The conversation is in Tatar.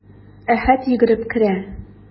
Әхәт йөгереп керә.